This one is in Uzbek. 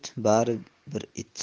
it bari bir it